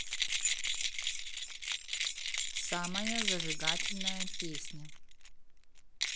самая зажигательная песня